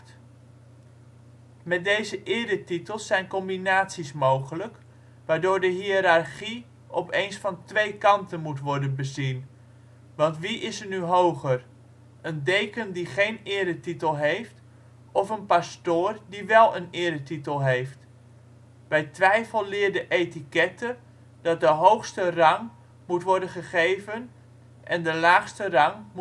Met deze eretitels zijn combinaties mogelijk, waardoor de hiërarchie opeens van twee kanten moet worden bezien. Want wie is er nu hoger: een deken die geen eretitel heeft, of een pastoor die wel een eretitel heeft? Bij twijfel leert de etiquette dat de hoogste rang moet worden gegeven en de laagste rang